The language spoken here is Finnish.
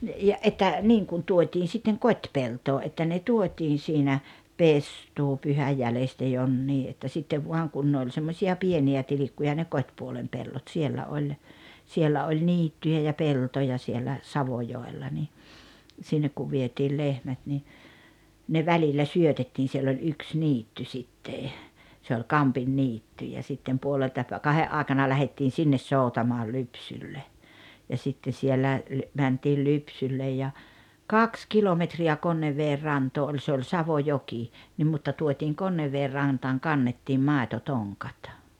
ja että niin kun tuotiin sitten kotipeltoon että ne tuotiin siinä pestuupyhänä jäljestä jonnekin että sitten vaan kun ne oli semmoisia pieniä tilkkuja ne kotipuolen pellot siellä oli siellä oli niittyjä ja peltoja siellä Savojoella niin sinne kun vietiin lehmät niin ne välillä syötettiin siellä oli yksi niitty sitten se oli Kampinniitty ja sitten puolelta - kahden aikana lähdettiin sinne soutamaan lypsylle ja sitten siellä mentiin lypsylle ja kaksi kilometriä Konneveden rantaan oli se oli Savojoki niin mutta tuotiin Konneveden rantaan kannettiin maitotonkat